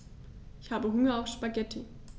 Ich habe Hunger auf Spaghetti.